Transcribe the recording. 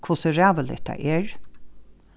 hvussu ræðuligt tað er